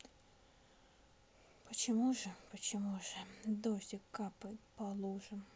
почему же почему же дождик капает по лужам